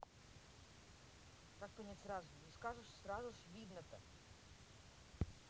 как понять сразу не скажешь сразу ж видно то